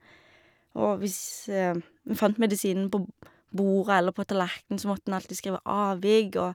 Og hvis vi fant medisinen på b bordet eller på tallerkenen, så måtte en alltid skrive avvik, og...